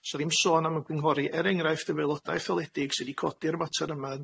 s'a ddim sôn am ymgynghori, er enghraifft efo aelodau etholedig sy 'di codi'r mater yma.